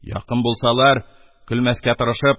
Якын булсалар, көлмәскә тырышып: